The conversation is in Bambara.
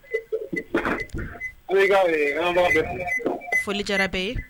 i kaa eee lamɛbaga bɛ fo foli jara bɛɛ ye